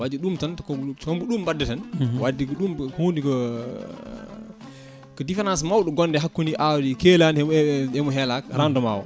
wadde ɗum tan taw ko ɗum mbadda ten wadde ko ɗum hunde ko différence mawɗo gonɗo hakkude awdi keeladi e mo heelaka rendement